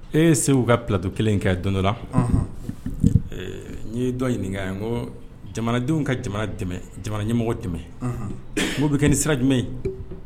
E Seku ka plaeau kelen in kan don dɔ la, anhan, n ye dɔ ɲinika n ko jamanadenw ka jamana ɲɛmɔgɔ dɛmɛn, nhɔn, n k'o bɛ kɛ ni sira jumɛn ye?